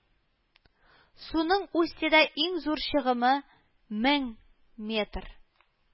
Суның устьеда иң зур чыгымы мең метр